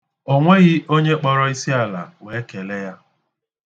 O nweghi onye kpọrọ isiala wee kele ya.